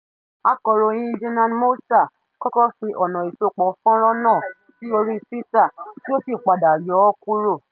Akọ̀ròyìn Jenan Moussa kọ́kọ́ fi ọ̀nà ìsopọ̀ fọ́nràn náà sí orí Twitter tí ó sì padà yọ ọ́ kúrò.